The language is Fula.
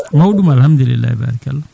mawɗum alhamdulillahi barikalla